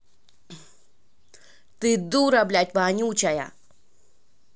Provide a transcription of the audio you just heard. ты дура блядь вонючая